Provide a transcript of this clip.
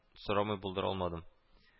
Сорамый булдыра алмадым